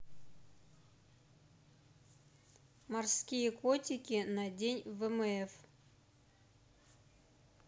морские котики на день вмф